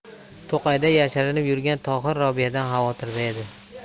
to'qayda yashirinib yurgan tohir robiyadan xavotirda edi